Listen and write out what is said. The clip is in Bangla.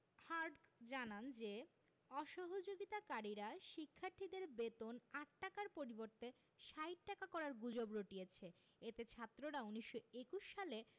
হার্টগ জানান যে অসহযোগিতাকারীরা শিক্ষার্থীদের বেতন ৮ টাকার পরিবর্তে ৬০ টাকা করার গুজব রটিয়েছে এতে ছাত্ররা ১৯২১ সালে